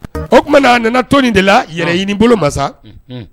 O tuma na a nana toni de la yɛrɛɲini bolo masa